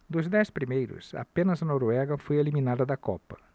dos dez primeiros apenas a noruega foi eliminada da copa